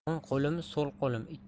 o'ng qo'lim so'l qo'lim